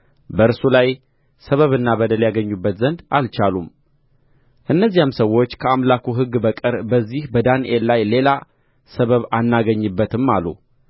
በእርሱ ላይ ሰበብና በደል ያገኙበት ዘንድ አልቻሉም እነዚያም ሰዎች ከአምላኩ ሕግ በቀር በዚህ በዳንኤል ላይ ሌላ ሰበብ አናገኝበትም አሉ